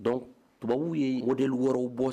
Donc tubabu ye mɔde wɔɔrɔw bɔ